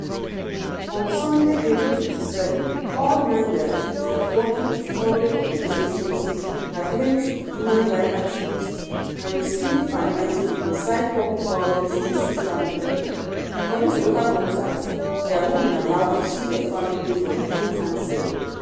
On Sunday, April 27, all nine were accused of “working with foreign organizations that claim to be human rights activists and…receiving finance to incite public violence through social media.” According to local contacts, they have not been allowed to see their families or legal counsel.